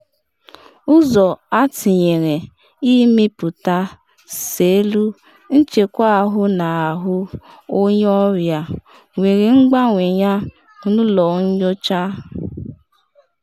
Ụzọ a tinyere ịmịpụta selụ nchekwa ahụ n’ahụ onye ọrịa, were gbanwee ya n’ụlọ nyocha